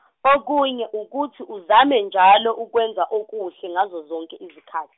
okunye ukuthi uzame njalo ukwenza okuhle, ngazo zonke izikhathi.